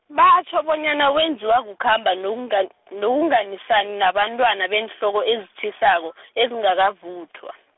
batjho bonyana wenziwa kukhamba nokungan-, nokunganisani nabantwana beenhloko ezitjhisako , ezingakavuthwa.